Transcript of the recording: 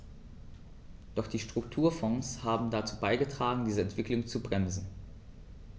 Doch die Strukturfonds haben dazu beigetragen, diese Entwicklung zu bremsen.